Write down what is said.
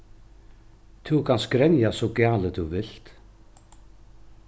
tú kanst grenja so galið tú vilt